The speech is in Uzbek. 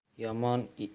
yomon etagingni yirtsa